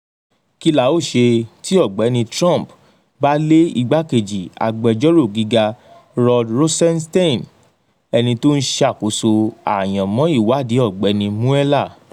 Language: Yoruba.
Kí la ó ṣe tí Ọ̀gbẹ́ni Trump bá lé igbákejì Agbẹjọ́rò Gíga Rod Rosenstein, ẹni tó ń ṣàkóso àyànmọ́ Ìwádìí Ọ̀gbẹ́ni Mueller?